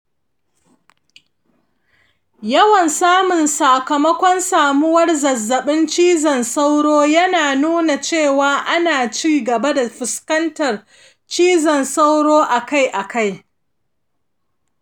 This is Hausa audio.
yawan samun sakamako samuwar zazzaɓin cizon sauro yana nuna cewa ana ci gaba da fuskantar cizon sauro akai-akai.